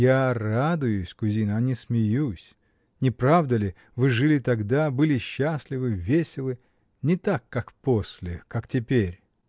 — Я радуюсь, кузина, а не смеюсь: не правда ли, вы жили тогда, были счастливы, веселы, — не так, как после, как теперь?.